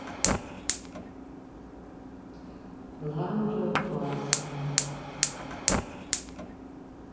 лаура пуазини